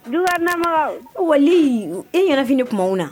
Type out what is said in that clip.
Duma wali i ɲɛna fini tumaw na